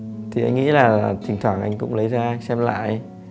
thì anh nghĩ là thỉnh thoảng anh cũng lấy ra xem lại